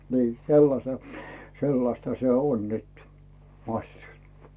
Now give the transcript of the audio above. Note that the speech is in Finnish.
niin sellaisen sellaista se on nyt massut